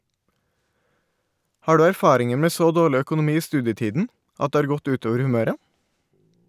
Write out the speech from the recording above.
Har du erfaringer med så dårlig økonomi i studietiden at det har gått utover humøret?